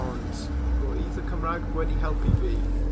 ond roedd y Cymraeg wedi helpu fi